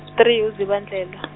three uZibandlela.